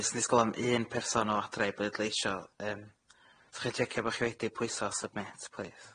Jys' yn disgwl am un person o adra i bleidleisio. Yym fedrwch chi'n jecio bo' chi'n wedi pwyso 'Submit', plis.